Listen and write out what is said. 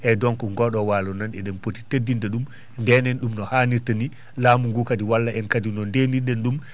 eyyi donc ngoɗo walo noon eɗen pooti teddinde ɗum nden ɗum no hannirta ni laamu ndu kadi walla en kadi no ndenirɗen ɗum